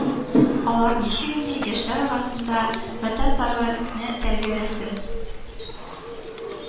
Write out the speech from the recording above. Алар ничек инде яшьләр арасында ватанпәрвәрлекне тәрбияләсен